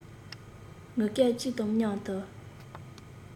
ངུ སྐད གཅིག དང མཉམ དུ